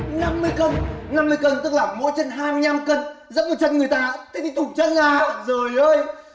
năm mươi cân năm mươi cân tức là mỗi chân hai mươi lăm cân dẫm lên chân người ta thế thì tụt chân à dời ơi